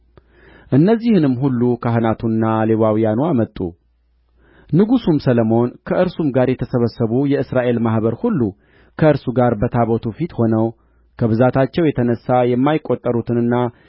እነዚህንም ሁሉ ካህናቱና ሌዋውያኑ አመጡ ንጉሡም ሰሎሞን ከእርሱም ጋር የተሰበሰቡ የእስራኤል ማኅበር ሁሉ ከእርሱ ጋር በታቦቱ ፊት ሆነው ከብዛታቸው የተነሣ የማይቈጠሩትንና